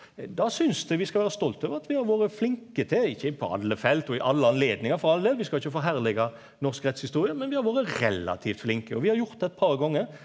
det synest eg vi skal vera stolt over at vi har vore flinke til ikkje på alle felt og i alle anledningar for all del, vi skal ikkje herleggjera norsk rettshistorie, men vi har vore relativt flinke og vi har gjort det eit par gonger.